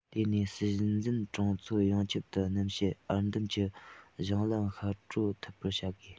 དེ ནས སྲིད འཛིན གྲོང ཚོ ཡོངས ཁྱབ ཏུ སྣུམ ཞལ ཨར འདམ གྱི གཞུང ལམ ཤར བགྲོད ཐུབ པར བྱ དགོས